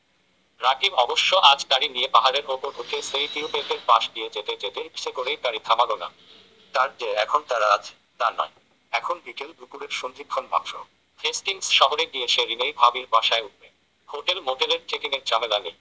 রাকিব অবশ্য আজ গাড়ি নিয়ে পাহাড়ের ওপর উঠে সেই ভিউ পয়েন্টের পাশ দিয়ে যেতে যেতে ইচ্ছে করেই গাড়ি থামাল না তার যে এখন তাড়া আছে তা নয় এখন বিকেল দুপুরের সন্ধিক্ষণ মাত্র হেস্টিংস শহরে গিয়ে সে রিনেই ভাবির বাসায় উঠবে হোটেল মোটেলের চেকিংয়ের ঝামেলা নেই